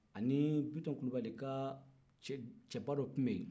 ani bitɔn kulibali ka cɛba dɔ tun bɛ yen